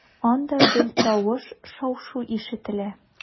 Анда гел тавыш, шау-шу ишетелә.